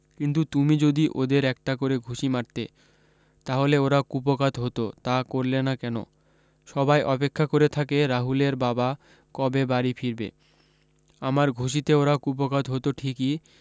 কিন্তু তুমি যদি ওদের একটা করে ঘুষি মারতে তাহলে ওরা কুপোকাত হতো তা করলে না কেন সবাই অপেক্ষা করে থাকে রাহুলের বাবা কবে বাড়ী ফিরবে আমার ঘুষিতে ওরা কুপোকাত হতো ঠিকি